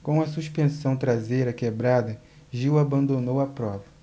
com a suspensão traseira quebrada gil abandonou a prova